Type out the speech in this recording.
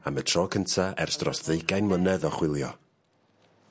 ...am y tro cynta ers dros ddeugain mlynedd o chwilio.